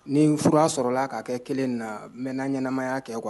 Ni furu sɔrɔlala k'a kɛ kelen na mɛna ɲɛnaɛnɛmaya kɛ kuwa